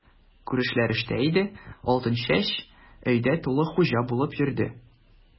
Күршеләр эштә иде, Алтынчәч өйдә тулы хуҗа булып йөрде.